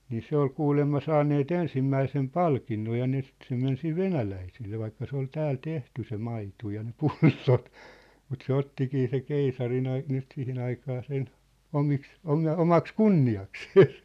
niin se oli kuulemma saaneet ensimmäisen palkinnon ja ne sitten se meni sitten venäläiselle vaikka se oli täällä tehty se maito ja ne pullot mutta se ottikin se keisarin - nyt siihen aikaan sen omiksi - omaksi kunniakseen